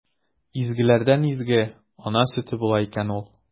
Изгеләрдән изге – ана сөте була икән ул!